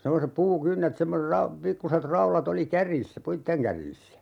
semmoiset puukynnet semmoiset - pikkuiset raudat oli kärjissä puiden kärjissä